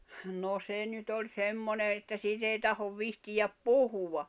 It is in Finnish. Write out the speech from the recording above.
no se nyt oli semmoinen että siitä ei tahdo viitsiä puhua